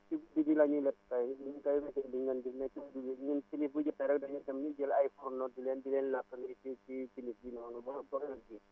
ci guddi la ñuy lekk kay ñun kay *** ñun timis bu jotee rek da ngay da ngay da ñuy jël ay fourneau di leen lakk si si * noonu ba heure bii